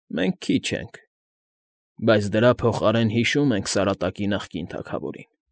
Մենք քիչ ենք, բայց դրա փոխարեն հիշում ենք Սարատակի նախկին թագավորին։